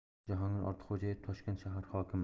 jahongir ortiqxo'jayev toshkent shahar hokimi